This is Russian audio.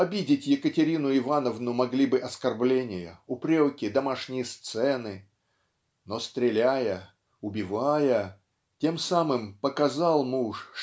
Обидеть Екатерину Ивановну могли бы оскорбления упреки домашние сцены но стреляя убивая тем самым показал муж